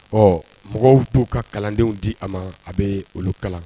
Ɔ mɔgɔw to ka kalandenw di a ma a bɛ olu kalan